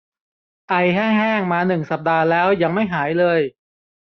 ไอแห้งแห้งมาหนึ่งสัปดาห์แล้วยังไม่หายเลย